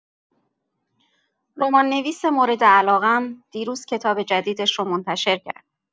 رمان‌نویس مورد علاقه‌م دیروز کتاب جدیدش رو منتشر کرد.